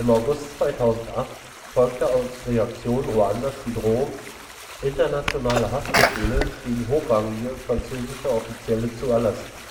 August 2008 folgte als Reaktion Ruandas die Drohung, internationale Haftbefehle gegen hochrangige französische Offizielle zu erlassen